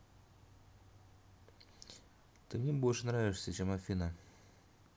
ты мне нравишься больше чем афина